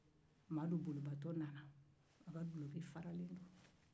madu bolibagatɔ nana a ka dilɔki faralen do